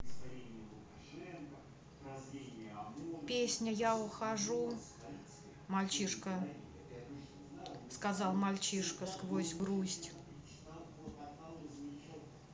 песня я ухожу мальчишка сказал мальчишка сквозь грусть